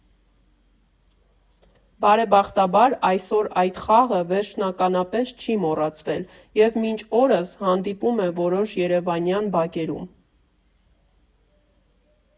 Բարեբախտաբար, այսօր այդ խաղը վերջնականապես չի մոռացվել և մինչ օրս հանդիպում է որոշ երևանյան բակերում։